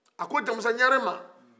a ko jamusa ɲare ma